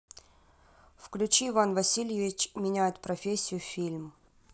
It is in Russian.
включи иван васильевич меняет профессию фильм